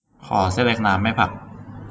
ขอเส้นเล็กน้ำไม่ผัก